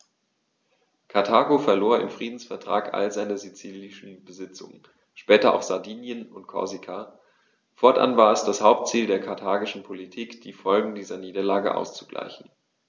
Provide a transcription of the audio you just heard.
Karthago verlor im Friedensvertrag alle seine sizilischen Besitzungen (später auch Sardinien und Korsika); fortan war es das Hauptziel der karthagischen Politik, die Folgen dieser Niederlage auszugleichen.